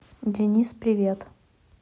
денис привет